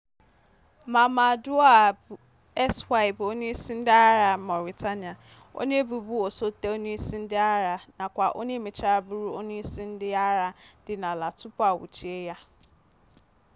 Mamadou Sy bụ onyeisi ndị agha Mauritania, onye bụbu osote onyeisi ndị agha, nakwa onye mechara bụrụ onyeisi ndị agha dị n'ala tupu a nwụchie ya n'abalị ahụ.